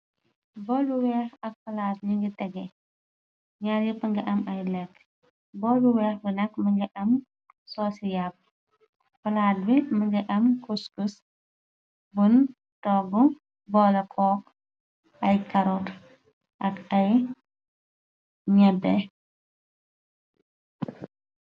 Bol bu weex ak palaat ñingi tege, ñaar yéppa ngi am ay lekk, bol bu weex bi nak më nga am soosi yàpp, palaat bi mënga am kuskus bun togg boola kook ay karot ak ay ñebbe.